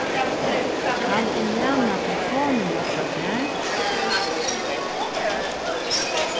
kann eg læna telefonina hjá tær